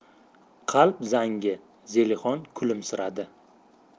qalb zangi zelixon kulimsiradi